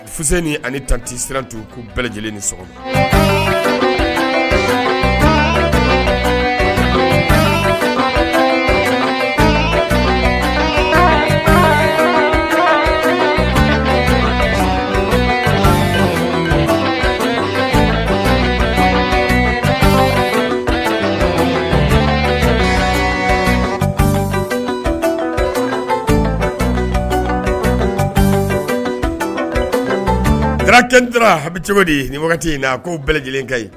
Fuse ni ani tan tɛ siran tun'u bɛɛ lajɛlen ni sɔrɔ gc tora bɛ cogo di ni wagati in ko bɛɛ lajɛlen ka